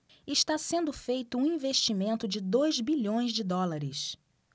está sendo feito um investimento de dois bilhões de dólares